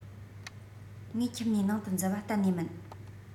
ངའི ཁྱིམ ནས ནང དུ འཛུལ བ གཏན ནས མིན